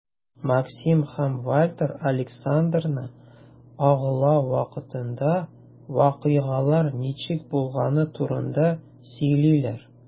Максим һәм Вальтер Александрны агулау вакытында вакыйгалар ничек булганы турында сөйлиләр.